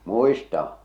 muistan